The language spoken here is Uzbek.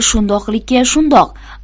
shundoqlikka shundoq